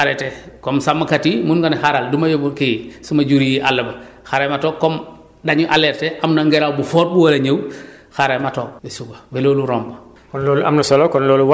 donc mun nga arrêter comme sàmmkat yi mun nga ne xaaral du ma yóbbu kii sama jur yi àll ba xaaral ma toog comme dañu alerter am na ngelaw bu fort bu war a ñëw xaaral ma ba suba ba loolu romb